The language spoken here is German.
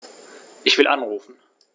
Ich will anrufen.